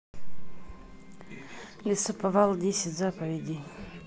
лесоповал десять заповедей